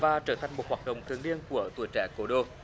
và trở thành một hoạt động thường niên của tuổi trẻ cố đô